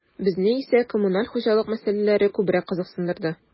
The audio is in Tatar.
Безне исә коммуналь хуҗалык мәсьәләләре күбрәк кызыксындырды.